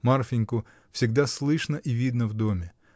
Марфиньку всегда слышно и видно в доме.